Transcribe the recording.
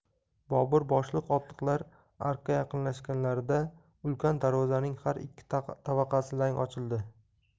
bobur boshliq otliqlar arkka yaqinlashganlarida ulkan darvozaning har ikki tavaqasi lang ochildi